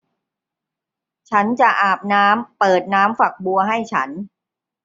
ฉันจะอาบน้ำเปิดน้ำฝักบัวให้ฉัน